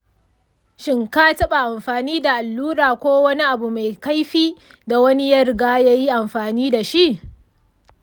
shin ka taba amfani da allura ko wani abu mai kaifi da wani ya riga ya yi amfani da shi?